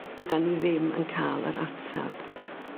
dydan ni ddim yn ca'l yr atab